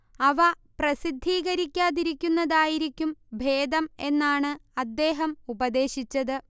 അവ പ്രസിദ്ധീകരിക്കാതിരിക്കുന്നതായിരിക്കും ഭേദം എന്നാണ് അദ്ദേഹം ഉപദേശിച്ചത്